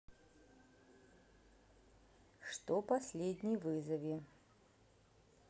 что последний вызови